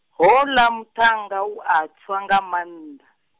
houḽa muṱhannga u a tswa nga manda.